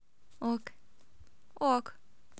ок